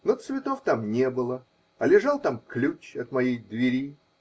Но цветов там не было, а лежал там ключ от моей двери.